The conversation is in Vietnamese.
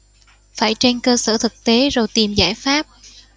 phải trên cơ sở thực tế rồi tìm giải pháp